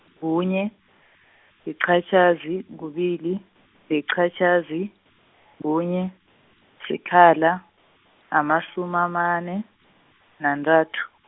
kunye, liqatjhazi, kubili, liqatjhazi, kunye, sikhala, amasumi, amane nantathu.